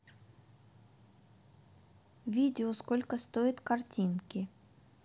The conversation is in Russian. видео сколько стоит картинки